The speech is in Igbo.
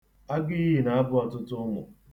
Agụiyi na-abụ ọtụtụ ̣umụ.